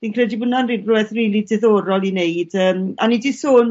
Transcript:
Fi'n credu bo' wnna'n ril- rwbeth rili diddorol i neud yym o'n i 'di sôn